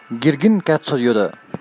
དགེ རྒན ག ཚོད ཡོད